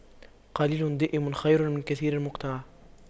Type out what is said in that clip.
قليل دائم خير من كثير منقطع